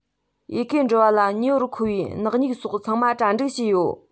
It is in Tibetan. ཡི གེ འབྲི བ ལ ཉེ བར མཁོ བའི སྣག སྨྱུག སོགས ཚང མ གྲ སྒྲིག བྱས ཡོད